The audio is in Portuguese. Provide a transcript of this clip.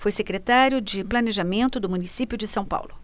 foi secretário de planejamento do município de são paulo